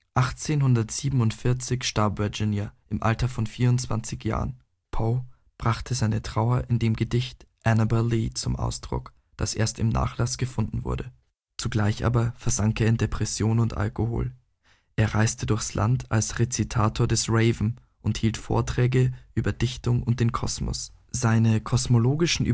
1847 starb Virginia im Alter von 24 Jahren. Poe brachte seine Trauer in dem Gedicht Annabel Lee zum Ausdruck, das erst im Nachlass gefunden wurde. Zugleich aber versank er in Depression und Alkohol. Er reiste durchs Land als Rezitator des Raven und hielt Vorträge über Dichtung und den Kosmos. Seine kosmologischen